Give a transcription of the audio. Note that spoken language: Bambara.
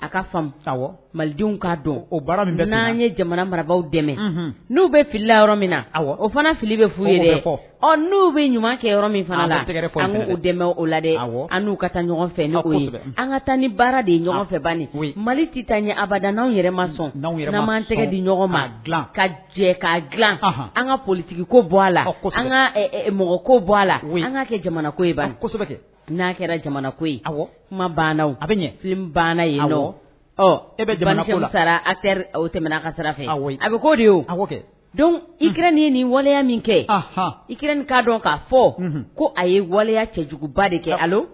A ka fan malidenw'a don o n'an ye jamana marabagaw dɛmɛ n'u bɛ filila yɔrɔ min na o fana fili bɛ f' ɔ n'u bɛ ɲuman kɛ yɔrɔ min fana an dɛmɛ o la an n'u ka taa ɲɔgɔn fɛ an ka taa ni baara de ye ɲɔgɔn fɛ mali tɛ taa ɲɛ abad n'anw yɛrɛ ma sɔn sɛgɛgɛ di ɲɔgɔn ma dila ka jɛ k ka dila an ka politigiko bɔ a la mɔgɔko bɔ a la an ka kɛ jamanako ye n'a kɛra jamanako ye kuma a bɛ ɲɛ fi banna ye ɔ e bɛ jamana ko sara aw o tɛmɛna fɛ a bɛ ko de kɛ don ir ye nin waleya min kɛ ir k' dɔn k kaa fɔ ko a ye waleya cɛjuguba de kɛ